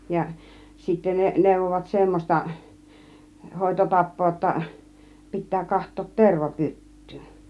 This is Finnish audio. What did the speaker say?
ja sitten ne neuvoivat semmoista - hoitotapaa jotta pitää katsoa - tervapyttyyn